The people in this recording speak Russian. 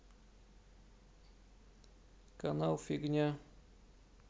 канал фигня